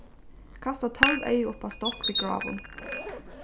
kasta tólv eygu upp á stokk við gráum